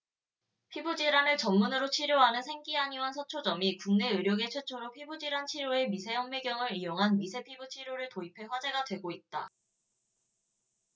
피부질환을 전문으로 치료하는 생기한의원 서초점이 국내 의료계 최초로 피부질환 치료에 미세현미경을 이용한 미세피부치료를 도입해 화제가 되고 있다